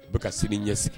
Bɛ ka sini ɲɛsigi